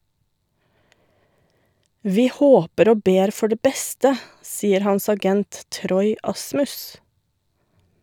- Vi håper og ber for det beste, sier hans agent Troy Asmus.